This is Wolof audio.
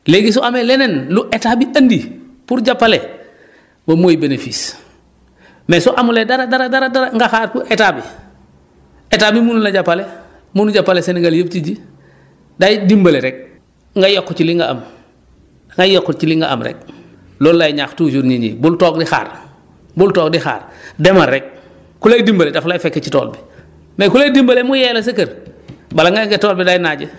léegi su amee leneen lu état bi andi pour jàppale moom mooy bénéfice mais su amulee dara dara dara nga xaar pour état bi état bi mënul a jàppale mënul jàppale Sénégal yëpp ci ji day dimbale rek nga yokk ci li nga am nga yokk ci li nga am rek loolu laay ñaax toujours nit ñi bul toog di xaar bul toog di xaar demal rek ku lay dimabale daf lay fekk ci tool bi mais ku lay dimbale mu yee la sa kër bala ngay egg tool bi day naaje